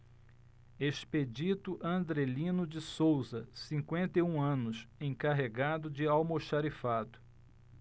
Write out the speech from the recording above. expedito andrelino de souza cinquenta e um anos encarregado de almoxarifado